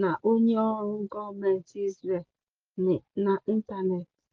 na onyeọrụ gọọmentị Israel n'ịntaneetị.